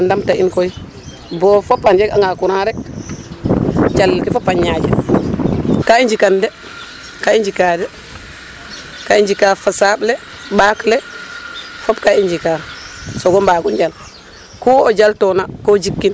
Fat da ndamta in koy bo fop a njeganga courant rek calel ke fop a ñaaƴ, ka i njikan de gaa njika de ka i njika fasaaɓ le, ɓaak le fop ka i njikaayo soog o mbaag o njal ku o ku jaltoona ko jikin .